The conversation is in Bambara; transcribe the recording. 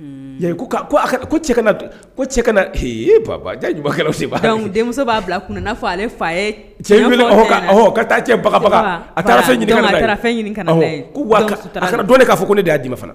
Ko ka bababa denmuso b'a bila n'a fɔ ale fa ye cɛ taa taara ɲini dɔn k'a fɔ ko ne y'a dii fana